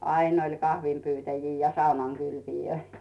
aina oli kahvinpyytäjiä ja saunankylpijöitä